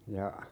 ja